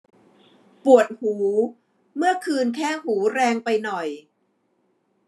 ปวดหูเมื่อคืนแคะหูแรงไปหน่อย